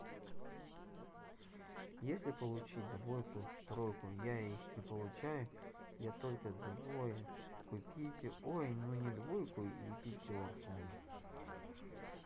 если получить двойку тройку я их не получаю я только двое купите ой ну не двойку и пятерку